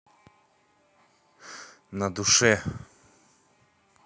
на душе